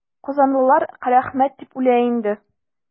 Казанлылар Карәхмәт дип үлә инде.